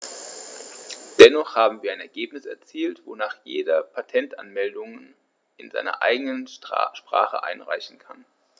Dennoch haben wir ein Ergebnis erzielt, wonach jeder Patentanmeldungen in seiner eigenen Sprache einreichen kann.